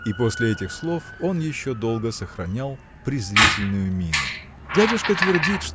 И после этих слов он еще долго сохранял презрительную мину. – Дядюшка твердит